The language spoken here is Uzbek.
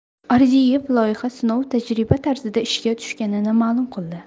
arziyev loyiha sinov tajriba tarzida ishga tushganini ma'lum qildi